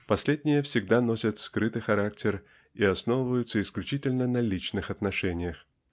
последние всегда носят скрытый характер и основываются исключительно на личных отношениях.